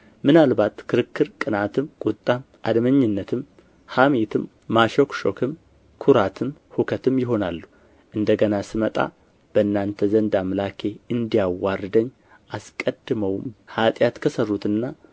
ምናልባት ክርክር ቅንዓትም ቁጣም አድመኝነትም ሐሜትም ማሾክሾክም ኩራትም ሁከትም ይሆናሉ እንደ ገና ስመጣ በእናንተ ዘንድ አምላኬ እንዲያዋርደኝ አስቀድመውም ኃጢአት ከሠሩትና